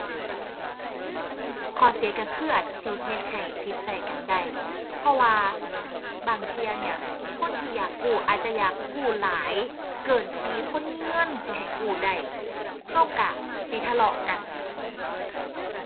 ข้อเสียก็คืออาจสิเฮ็ดให้ผิดใจกันได้ เพราะว่าบางเที่ยเนี่ย คนที่อยากกู้อาจจะอยากกู้หลายเกินที่คนมีเงินสิให้กู้ได้ ก็ก็สิทะเลาะกัน